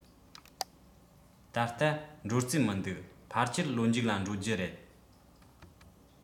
ད ལྟ འགྲོ རྩིས མི འདུག ཕལ ཆེར ལོ མཇུག ལ འགྲོ རྒྱུ རེད